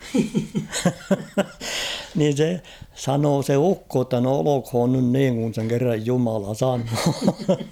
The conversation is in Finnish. niin se sanoi se ukko jotta no olkoon nyt niin kun sen kerran jumala sanoo